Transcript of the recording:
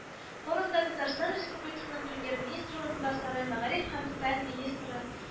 Форумда Татарстан Республикасының Премьер-министры урынбасары – мәгариф һәм фән министры